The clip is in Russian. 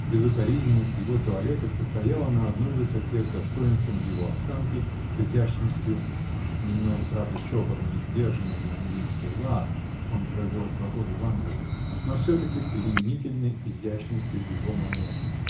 Безукоризненность его туалета стояла на одной высоте с достоинством его осанки, с изящностью -- немного, правда, чопорной и сдержанной, на английский лад (он провел два года в Англии), -- но все-таки пленительной изящностью его манер!